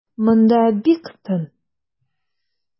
Монда бик тын.